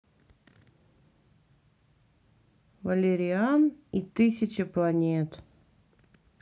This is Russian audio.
валериан и тысяча планет